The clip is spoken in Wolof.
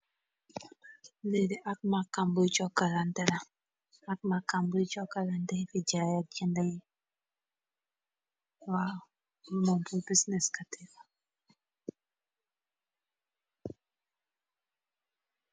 Niti ak maxkam bu cokkalante la, di jaay ak jëndayi wa momfu bisines kateefa.